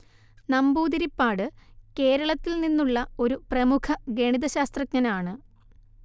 നമ്പൂതിരിപ്പാട്കേരളത്തിൽ നിന്നുള്ള ഒരു പ്രമുഖ ഗണീതശാസ്ത്രജ്ഞനാണ്